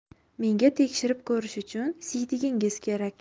menga tekshirib ko'rish uchun siydigingiz kerak